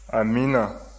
amiina